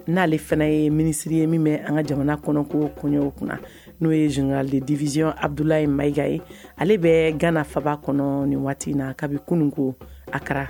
N'ale fana ye minisiri ye min bɛ an ka jamana kɔnɔko kɔɲɔw kunna n'o ye zkalidizy abula ye malika ye ale bɛ ganafaba kɔnɔ nin waati in na kabinibi kunun ko a kɛra